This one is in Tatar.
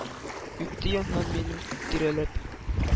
Үтте яннан, минем тирәләп.